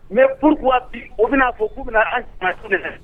Mais pourquoi bi u bɛ na fɔ k'u bɛna na an